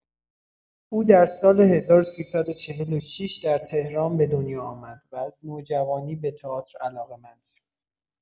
او در سال ۱۳۴۶ در تهران به دنیا آمد و از نوجوانی به تئاتر علاقه‌مند شد.